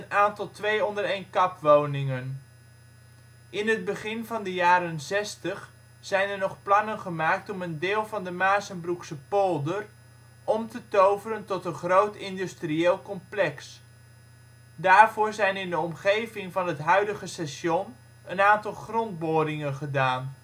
aantal " twee onder één kap woningen ". In het begin van de jaren zestig zijn er nog plannen gemaakt om een deel van de Maarssenbroekse polder om te toveren tot een groot industrieel complex. Daarvoor zijn in de omgeving van het huidige station een aantal grondboringen gedaan